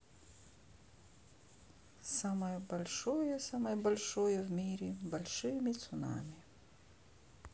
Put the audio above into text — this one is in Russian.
самое большое самое большое в мире большими цунами